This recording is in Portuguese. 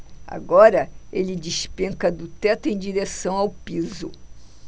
agora ele despenca do teto em direção ao piso